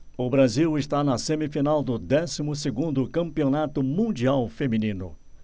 o brasil está na semifinal do décimo segundo campeonato mundial feminino